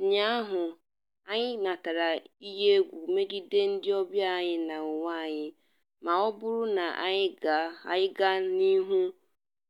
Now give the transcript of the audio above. Ụnyaahụ, anyị natara iyi egwu megide ndịọbịa anyị na onwe anyị ma ọ bụrụ na anyị gaa n'ihu